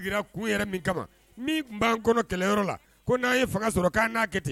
Tun b'an kɔnɔ kɛlɛyɔrɔ la sɔrɔa kɛ ten